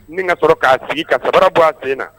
Nin ŋa sɔrɔ k'a digi ka sabara bɔ a sen na